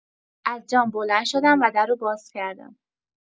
از جام بلند شدم و درو باز کردم.